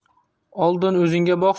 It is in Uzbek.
oldin o'zingga boq